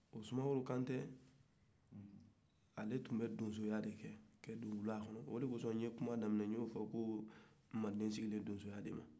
o sumaworo kante ale tun bɛ donsoya de kɛ ka don wula kɔnɔ ode kɔsɔ n'ko mande sigilen do donsoya de kan